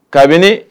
Kabini